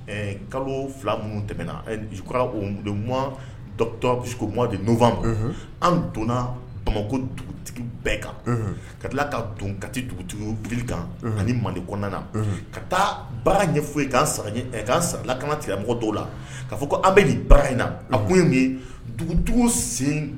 Kalo minnu tɛmɛna dɔtɔkuufa an donna bamakɔ dugutigi bɛɛ kan ka ka don ka dugutigi wuli kan ani manden kɔnɔna na ka taa baara foyi yen' kala kana tiramɔgɔ dɔw la kaa fɔ ko an bɛ bara inina a tun in ye dugu sen